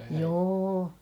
joo